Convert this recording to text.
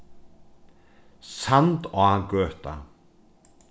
sandágøta